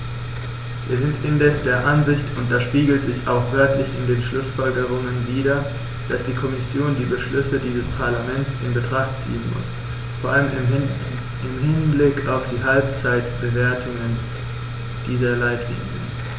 Wir sind indes der Ansicht und das spiegelt sich auch wörtlich in den Schlussfolgerungen wider, dass die Kommission die Beschlüsse dieses Parlaments in Betracht ziehen muss, vor allem im Hinblick auf die Halbzeitbewertung dieser Leitlinien.